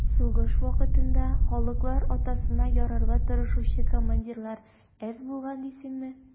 Сугыш вакытында «халыклар атасына» ярарга тырышучы командирлар әз булган дисеңме?